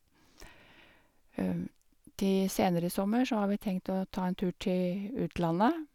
ti Senere i sommer så har vi tenkt til å ta en tur til utlandet.